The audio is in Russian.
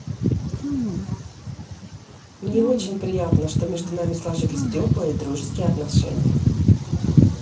мне очень приятно что между нами сложились теплые и дружеские отношения